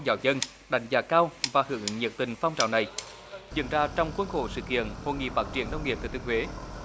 giáo dân đánh giá cao và hưởng ứng nhiệt tình phong trào này diễn ra trong khuôn khổ sự kiện hội nghị phát triển nông nghiệp thừa thiên huế